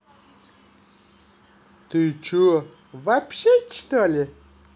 ты че вообще чтоли